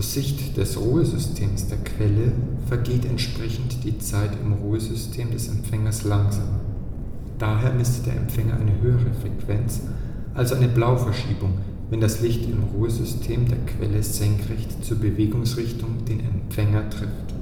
Sicht des Ruhesystems der Quelle vergeht entsprechend die Zeit im Ruhesystem des Empfängers langsamer. Daher misst der Empfänger eine höhere Frequenz, also eine Blauverschiebung, wenn das Licht im Ruhesystem der Quelle senkrecht zur Bewegungsrichtung den Empfänger trifft